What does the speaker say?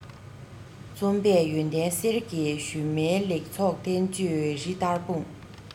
རྩོམ པས ཡོན ཏན གསེར གྱི ཞུན མའི ལེགས ཚོགས བསྟན བཅོས རི ལྟར སྤུངས